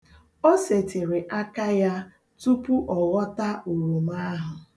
O setịrị aka ya tupu ọ ghọta oroma ahụ.